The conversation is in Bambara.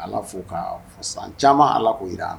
Allah fo k'a fɔ san caaman allah ko jira an na!